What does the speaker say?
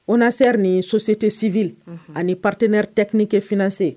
O na seri ni so sete sibi ani partetɛre tɛkini kɛ fse